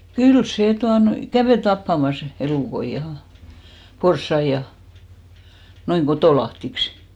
kyllä se tuota noin kävi tappamassa elukoita ja porsaita ja noin kotolahdiksi